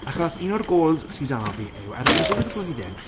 Achos un o'r gols sydd 'da fi yw erbyn diwedd y blwyddyn...